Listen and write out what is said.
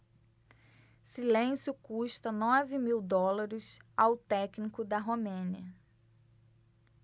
silêncio custa nove mil dólares ao técnico da romênia